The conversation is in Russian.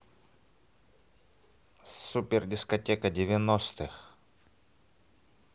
супер дискотека девяностых